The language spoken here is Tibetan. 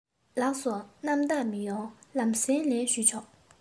ལགས སོ སྣང དག མི ཡོང ལམ སེང ལན ཞུས ཆོག